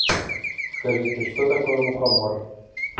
скажите что такое мухомор